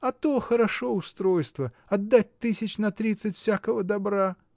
А то хорошо устройство: отдать тысяч на тридцать всякого добра!